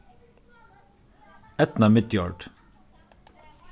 eydna midjord